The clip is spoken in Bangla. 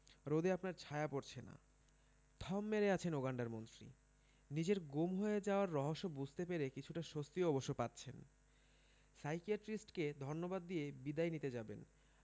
রোদে আপনার ছায়া পড়ছে না... থম মেরে আছেন উগান্ডার মন্ত্রী নিজের গুম হয়ে যাওয়ার রহস্য বুঝতে পেরে কিছুটা স্বস্তিও অবশ্য পাচ্ছেন সাইকিয়াট্রিস্টকে ধন্যবাদ দিয়ে বিদায় নিতে যাবেন